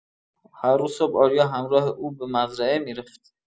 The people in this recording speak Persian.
هر روز صبح آریا همراه او به مزرعه می‌رفت.